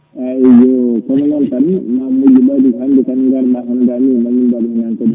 eeyi ko noon tan min nene min mbiyii ɓayde ko hannde tan ngarɗaa *